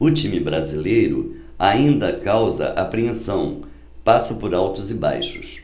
o time brasileiro ainda causa apreensão passa por altos e baixos